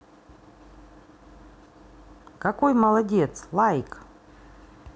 какой молодец лайк